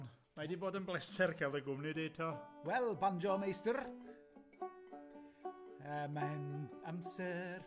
...mae 'di bod yn bleser ca'l dy gwmni di 'to. Wel banjo meistr yy mae'n amser